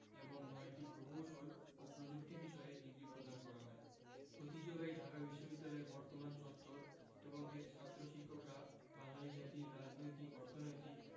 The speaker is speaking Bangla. এবং ৯টি প্রকৌশল ও প্রযুক্তি বিষয়ে ডিগ্রি প্রদান করা হয় ঐতিহ্যবাহী ঢাকা বিশ্ববিদ্যালয়ের বর্তমান চত্বর এবং এর ছাত্র শিক্ষকরা বাঙালি জাতির রাজনৈতিক অর্থনৈতিক